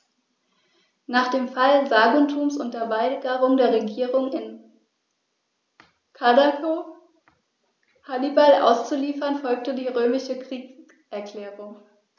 Nach dem Fall Saguntums und der Weigerung der Regierung in Karthago, Hannibal auszuliefern, folgte die römische Kriegserklärung.